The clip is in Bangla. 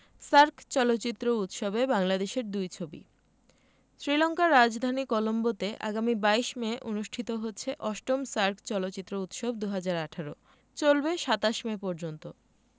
সার্ক চলচ্চিত্র উৎসবে বাংলাদেশের দুই ছবি শ্রীলংকার রাজধানী কলম্বোতে আগামী ২২ মে অনুষ্ঠিত হচ্ছে ৮ম সার্ক চলচ্চিত্র উৎসব ২০১৮ চলবে ২৭ মে পর্যন্ত